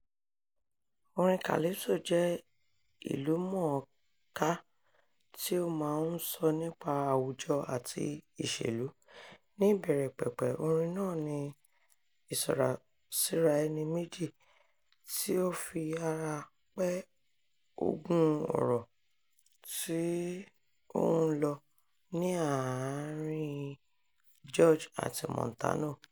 Orin calypso jẹ́ ìlúmọ̀nánká tí ó máa ń sọ nípa àwùjọ àti ìṣèlú, ní ìbẹ̀rẹ̀ pẹ̀pẹ̀ orin náà ni ìsọ̀rọ̀ síra ẹni méjì tí ó fi ara pẹ́ ogun ọ̀rọ̀ tí ó ń lọ ní àárín-in George àti Montano.